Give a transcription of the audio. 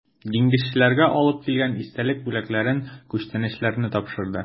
Диңгезчеләргә алып килгән истәлек бүләкләрен, күчтәнәчләрне тапшырды.